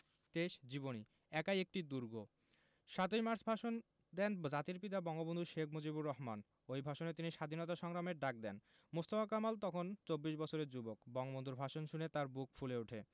২৩ জীবনী একাই একটি দুর্গ ৭ই মার্চ ভাষণ দেন জাতির পিতা বঙ্গবন্ধু শেখ মুজিবুর রহমান ওই ভাষণে তিনি স্বাধীনতা সংগ্রামের ডাক দেন মোস্তফা কামাল তখন চব্বিশ বছরের যুবক বঙ্গবন্ধুর ভাষণ শুনে তাঁর বুক ফুলে ওঠে